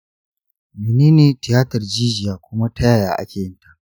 menene tiyatar jijiya kuma ta yaya ake yin ta?